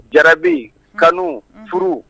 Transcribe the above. Jarabi kanu furu